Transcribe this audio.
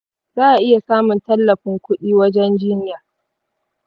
za'a iya samun tallafin kudi wajen jinyar .